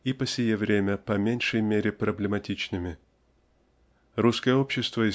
и по сие время по меньшей мере проблематичными. Русское общество